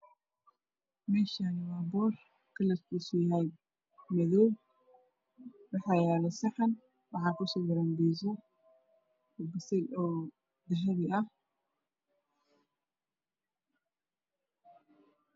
Meeshaani waa boor kalarkisa yahay madow waxaa yaalo saxan waxaa ku sawiran pizza oo dahabi ah